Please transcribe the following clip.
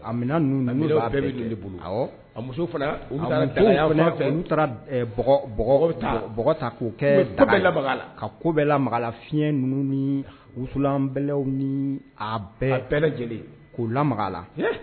A minɛn ninnu bolo a muso fɛ n'u taara k'o kɛ ka ko bɛlala fiɲɛyɛn ninnu ni wusulan bɛlaw ni a bɛɛ bɛɛ lajɛlen k'o lala